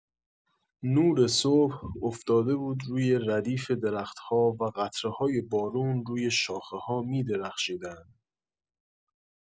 نور صبح افتاده بود روی ردیف درخت‌ها و قطره‌های بارون روی شاخه‌ها می‌درخشیدن.